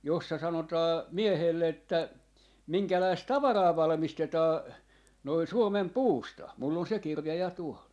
jossa sanotaan miehelle että minkälaista tavaraa valmistetaan noin Suomen puusta minulla on se kirja ja tuolla